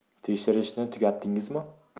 tekshirishni tugatdingizmi